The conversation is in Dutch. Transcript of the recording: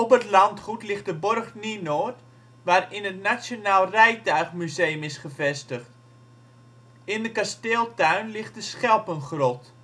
het landgoed ligt de borg Nienoord, waarin het Nationaal Rijtuigmuseum is gevestigd. In de kasteeltuin ligt de schelpengrot